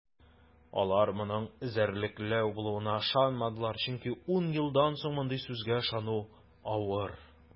Алар моның эзәрлекләү булуына ышанмадылар, чөнки ун елдан соң мондый сүзгә ышану авыр.